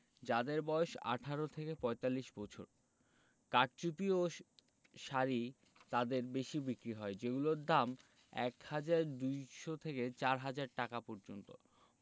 যাঁদের বয়স ১৮ থেকে ৪৫ বছর কারচুপি ও শাড়ি তাঁদের বেশি বিক্রি হয় যেগুলোর দাম ১ হাজার ২০০ থেকে ৪ হাজার টাকা পর্যন্ত